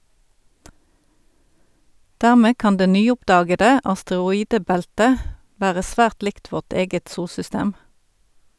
Dermed kan det nyoppdagede asteroidebelte være svært likt vårt eget solsystem.